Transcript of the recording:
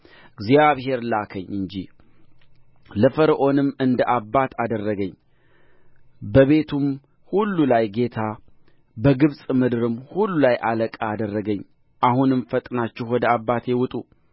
እግዚአብሔር ላከኝ እንጂ ለፈርዖንም እንደ አባት አደረገኝ በቤቱም ሁሉ ላይ ጌታ በግብፅ ምድርም ሁሉ ላይ አለቃ አደረገኝ አሁንም ፈጥናችሁ ወደ አባቴ ውጡ